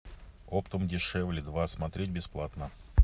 оптом дешевле два смотреть бесплатно